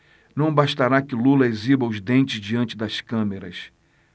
não bastará que lula exiba os dentes diante das câmeras